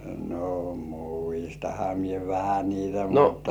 no muistanhan minä vähän niitä mutta